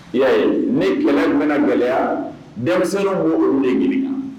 Ya ne kɛlɛ in bɛna gɛlɛyaya denmisɛnw b' o min ɲini